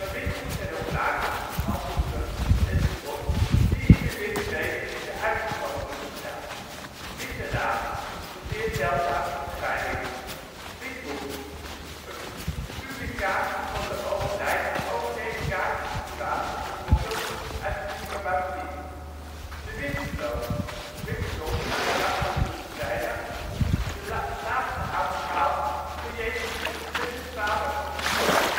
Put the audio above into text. witgoed zijn ook lakens, handdoeken, etc. die in de witte weken in de uitverkoop worden gedaan. Witte raaf - een zeer zeldzame verschijning. Witboek - Een publicatie van de overheid over delicate situaties, bijvoorbeeld uit de diplomatie. De witte vloot. Witte Donderdag, dag voor goede vrijdag, de laatste avondmaal voor Jezus Christus met zijn 12 apostelen